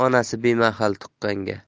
onasi bemahal tuqqanga